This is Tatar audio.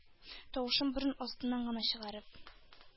Тавышын борын астыннан гына чыгарып: